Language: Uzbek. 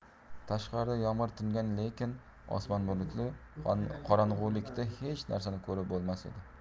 tashqarida yomg'ir tingan lekin osmon bulutli qorong'ilikda hech narsani ko'rib bo'lmas edi